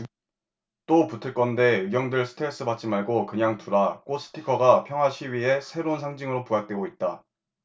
또 붙을 건데 의경들 스트레스 받지 말고 그냥 두라 꽃 스티커가 평화시위의 새로운 상징으로 부각되고 있다